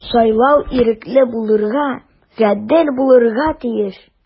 Сайлау ирекле булырга, гадел булырга тиеш.